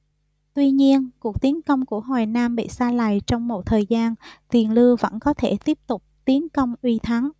tuy nhiên cuộc tiến công của hoài nam bị sa lầy trong một thời gian tiền lưu vẫn có thể tiếp tục tiến công uy thắng